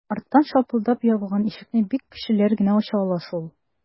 Арттан шапылдап ябылган ишекне бик көчлеләр генә ача ала шул...